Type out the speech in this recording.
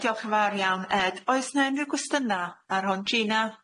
Yy diolch yn fawr iawn Ed, oes na unrhyw gwestynna ar hon? Gina?